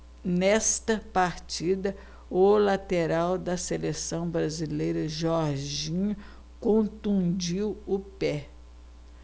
nesta partida o lateral da seleção brasileira jorginho contundiu o pé